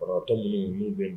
Tɔ minnu n'u bɛ